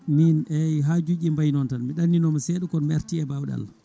min eyyi hajuji ɗi mbayi noon tan mi ɗanninomo seeɗa kono mi arti e mbawɗe Allah